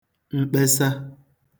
mkpesa